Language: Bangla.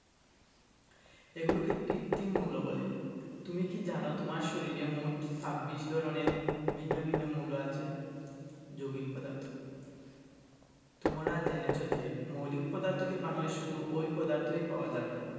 এগুলোকে কৃত্রিম মৌল বলে তুমি কি জানো তোমার শরীরে মোট ২৬ ধরনের ভিন্ন ভিন্ন মৌল আছে যৌগিক পদার্থ তোমরা জেনেছ যে মৌলিক পদার্থকে ভাঙলে শুধু ঐ পদার্থই পাওয়া যাবে